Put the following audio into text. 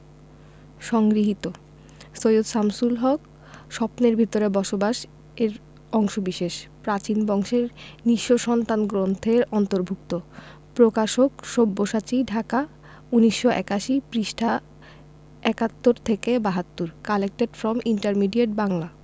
সংগৃহীত সৈয়দ শামসুল হক স্বপ্নের ভেতরে বসবাস এর অংশবিশেষ প্রাচীন বংশের নিঃস্ব সন্তান গ্রন্থের অন্তর্ভুক্ত প্রকাশকঃ সব্যসাচী ঢাকা ১৯৮১ পৃষ্ঠাঃ ৭১ থেকে ৭২ কালেক্টেড ফ্রম ইন্টারমিডিয়েট বাংলা